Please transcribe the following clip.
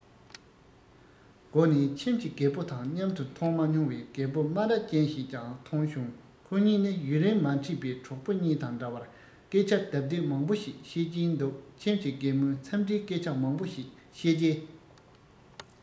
སྒོ ནས ཁྱིམ གྱི རྒད པོ དང མཉམ དུ མཐོང མ མྱོང བའི རྒད པོ སྨ ར ཅན ཞིག ཀྱང ཐོན བྱུང ཁོ གཉིས ནི ཡུན རིང མ འཕྲད པའི གྲོགས པོ གཉིས དང འདྲ བར སྐད ཆ ལྡབ ལྡིབ མང པོ ཞིག བཤད ཀྱིན འདུག ཁྱིམ གྱི རྒན མོས འཚམས འདྲིའི སྐད ཆ མང པོ ཞིག བཤད རྗེས